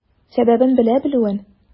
Сәбәбен белә белүен.